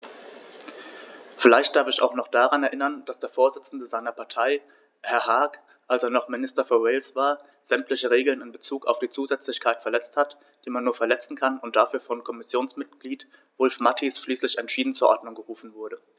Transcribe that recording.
Vielleicht darf ich ihn auch daran erinnern, dass der Vorsitzende seiner Partei, Herr Hague, als er noch Minister für Wales war, sämtliche Regeln in bezug auf die Zusätzlichkeit verletzt hat, die man nur verletzen kann, und dafür von Kommissionsmitglied Wulf-Mathies schriftlich entschieden zur Ordnung gerufen wurde.